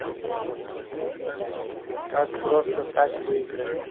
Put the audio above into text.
как просто так выиграть